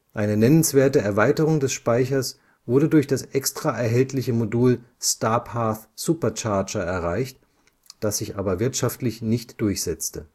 Eine nennenswerte Erweiterung des Speichers wurde durch das extra erhältliche Modul Starpath Supercharger erreicht, was sich aber wirtschaftlich nicht durchsetzte